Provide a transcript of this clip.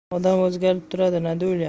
odam o'zgarib turadi nadulya